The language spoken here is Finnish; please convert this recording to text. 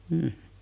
mm